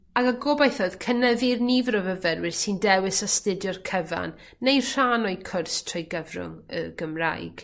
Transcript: Ag y gobaith o'dd cynyddu'r nifer o fyfyrwyr sy'n dewis astudio'r cyfan neu rhan o'u cwrs trwy gyfrwng y Gymraeg.